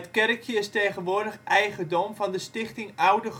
kerkje is tegenwoordig eigendom van de Stichting Oude